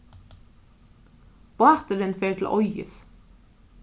báturin fer til eiðis